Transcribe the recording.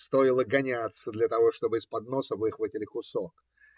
Стоило гоняться для того, чтобы из-под носа выхватили кусок!.